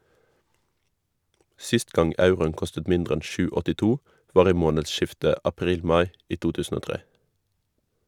Sist gang euroen kostet mindre enn 7,82, var i månedsskiftet april-mai i 2003.